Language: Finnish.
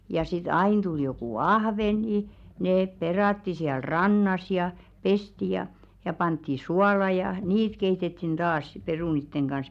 ja sitten aina tuli joku ahvenkin ne perattiin siellä rannassa ja pestiin ja ja pantiin suolaan ja niitä keitettiin taas sitten perunoiden kanssa